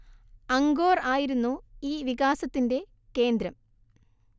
Angkor ആയിരുന്നു ഈ വികാസത്തിന്റെ കേന്ദ്രം